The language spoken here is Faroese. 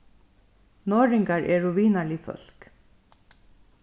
norðoyingar eru vinarlig fólk